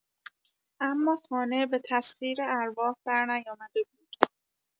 اما خانه به تسخیر ارواح درنیامده بود.